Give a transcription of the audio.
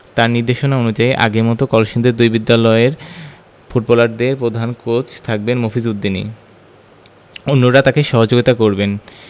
তাঁর নির্দেশনা অনুযায়ী আগের মতো কলসিন্দুরের দুই বিদ্যালয়ের ফুটবলারদের প্রধান কোচ থাকবেন মফিজ উদ্দিনই অন্যরা তাঁকে সহযোগিতা করবেন